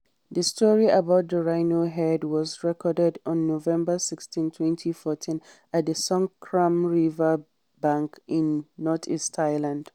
The story about the Rhino Head was recorded on November 16, 2014, at the Songkram River bank in northeast Thailand.